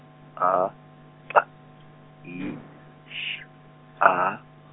A T I S A.